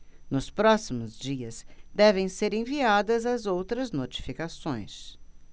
nos próximos dias devem ser enviadas as outras notificações